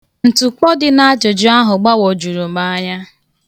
Ntụkpọ dị na ajụjụ ahụ gbawọjuru m anya.